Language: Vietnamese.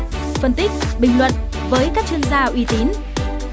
phân tích bình luận với các chuyên gia uy tín